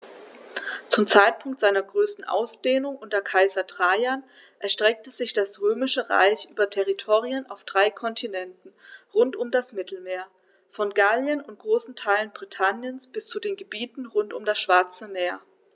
Zum Zeitpunkt seiner größten Ausdehnung unter Kaiser Trajan erstreckte sich das Römische Reich über Territorien auf drei Kontinenten rund um das Mittelmeer: Von Gallien und großen Teilen Britanniens bis zu den Gebieten rund um das Schwarze Meer.